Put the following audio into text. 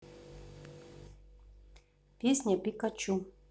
песня пикачу